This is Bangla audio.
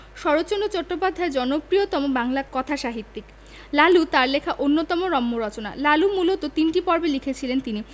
শরৎচন্দ্র চট্টোপাধ্যায় জনপ্রিয়তম বাংলা কথাসাহিত্যিক লালু তার লেখা অন্যতম রম্য রচনা লালু মূলত তিনটি পর্বে লিখেছিলেন তিনি